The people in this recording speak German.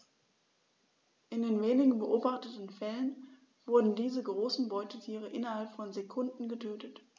In den wenigen beobachteten Fällen wurden diese großen Beutetiere innerhalb von Sekunden getötet.